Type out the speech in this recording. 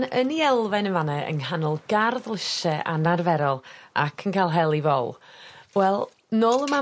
...yn 'i elfen yn fan 'na yng nghanol gardd lysie anarferol ac yn ca'l hel 'i fol. Wel, nôl yma...